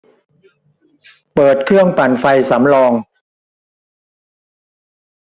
เปิดเครื่องปั่นไฟสำรอง